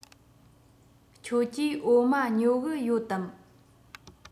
ཁྱོད ཀྱིས འོ མ ཉོ གི ཡོད དམ